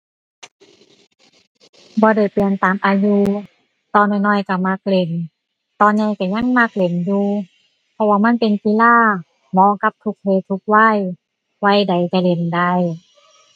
บ่ได้เปลี่ยนตามอายุ ตอนน้อยน้อยก็มักเล่น ตอนใหญ่ก็ยังมักเล่นอยู่ เพราะว่ามันเป็นกีฬา เหมาะกับทุกเพศทุกวัย วัยใดก็เล่นได้